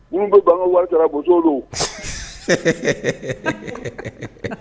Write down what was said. Minnu bɛ ban wari sara bosow don, ka